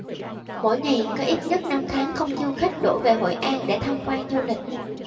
mỗi ngày có ít nhất năm tháng không du khách đổ về hội an để tham quan du lịch